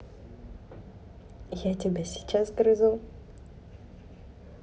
я тебя сейчас грызу